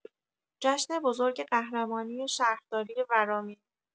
جشن بزرگ قهرمانی شهرداری ورامین